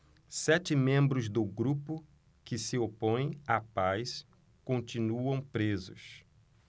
sete membros do grupo que se opõe à paz continuam presos